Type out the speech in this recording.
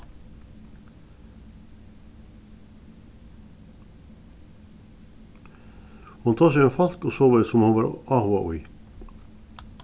hon tosaði um fólk og sovorðið sum hon var áhugað í